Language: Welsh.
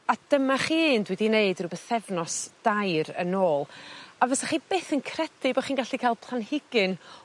A dyma chi un dwi 'di neud rw bythefnos dair yn ôl a fysech chi byth yn credu bo' chi'n gallu ca'l planhigyn